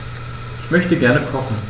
Ich möchte gerne kochen.